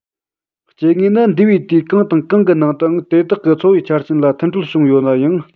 སྐྱེ དངོས ནི འདས པའི དུས གང དང གང གི ནང དུ དེ དག གི འཚོ བའི ཆ རྐྱེན ལ མཐུན འཕྲོད བྱུང ཡོད ནའང